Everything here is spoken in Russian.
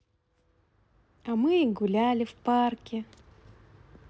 а мы и гуляли в парке